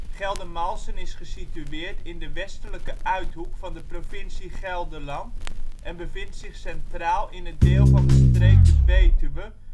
Geldermalsen is gesitueerd in de westelijke uithoek van de provincie Gelderland en bevindt zich centraal in het deel van de streek de Betuwe